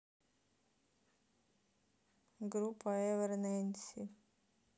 группа ever nancy